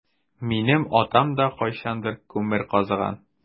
Минем атам да кайчандыр күмер казыган.